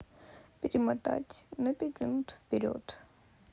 перемотать на пять минут вперед